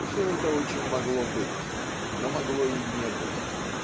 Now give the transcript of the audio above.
все это очень могло быть, но могло и не быть